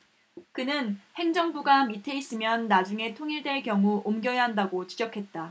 그는 행정부가 밑에 있으면 나중에 통일될 경우 옮겨야 한다고 지적했다